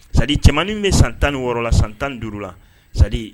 Sa cɛmanmani bɛ san tan ni wɔɔrɔ la san tan duuru la sa